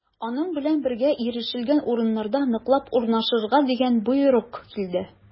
Аның белән бергә ирешелгән урыннарда ныклап урнашырга дигән боерык килде.